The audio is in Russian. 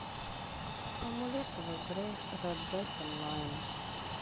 амулеты в игре ред дед онлайн